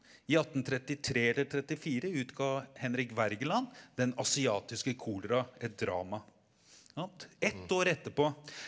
i 1833 eller 34 utga Henrik Wergeland Den Asiatiske Kolera et drama sant ett år etterpå.